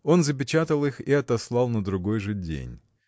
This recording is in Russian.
Он запечатал их и отослал на другой же день.